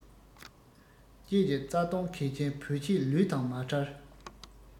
བཅས ཀྱི རྩ དོན གལ ཆེན བོད ཆས ལུས དང མ བྲལ